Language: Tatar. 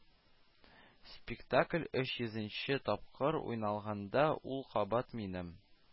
Спектакль өч йөзенче тапкыр уйналганда, ул кабат минем